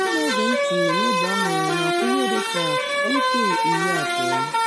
Ndị na-ege ntị n’ogbe ahụ na-akwụ ihe dị ka MK20.